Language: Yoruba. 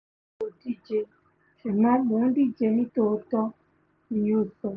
Emi ko díje, ṣùgbọn Mo ń díje nítòótọ́,'' ni ó sọ.